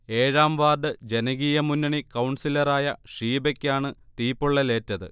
ഏഴാം വാർഡ് ജനകീയ മുന്നണി കൗൺസിലറായ ഷീബക്ക് ആണ് തീപൊള്ളലേറ്റത്